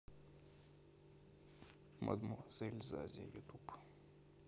мадмуазель зази ютуб